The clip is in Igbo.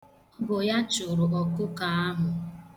Ọ bụ ya chụrụ ọkụkọ ahụ.